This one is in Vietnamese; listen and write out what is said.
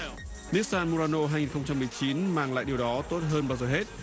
nít san mu ran nô hai nghìn không trăm mười chín mang lại điều đó tốt hơn bao giờ hết